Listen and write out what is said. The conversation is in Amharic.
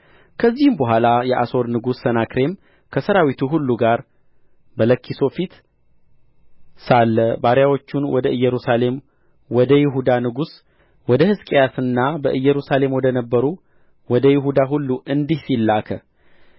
ከዚህም በኋላ የአሦር ንጉሥ ሰናክሬም ከሠራዊቱ ሁሉ ጋር በለኪሶ ፊት ሳለ ባሪያዎቹን ወደ ኢየሩሳሌም ወደ ይሁዳ ንጉሥ ወደ ሕዝቅያስና በኢየሩሳሌም ወደ ነበሩ ወደ ይሁዳ ሁሉ እንዲህ ሲል ላከ